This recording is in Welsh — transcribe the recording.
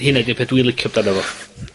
...hynna 'di'r peth dwi licio amdano fo.